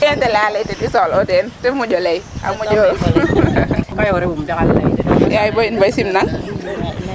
ke ta laya lay ten i soxla'u teen tee moƴo lay a moƴo yaay boy in moy simnang